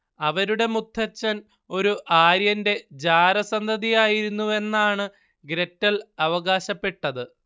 അവരുടെ മുത്തച്ഛൻ ഒരു ആര്യന്റെ ജാരസന്തതിയായിരുന്നെന്നാണ് ഗ്രെറ്റൽ അവകാശപ്പെട്ടത്